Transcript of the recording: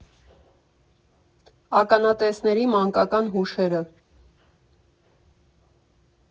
Ականատեսների մանկական հուշերը։